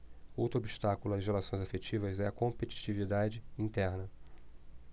outro obstáculo às relações afetivas é a competitividade interna